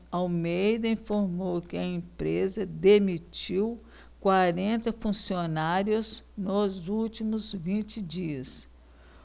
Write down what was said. almeida informou que a empresa demitiu quarenta funcionários nos últimos vinte dias